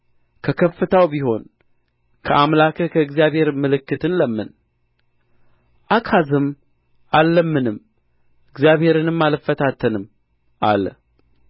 ከከፍታው ቢሆን ከአምላክህ ከእግዚአብሔር ምልክትን ለምን አካዝም አልለምንም እግዚአብሔርንም አልፈታተንም አለ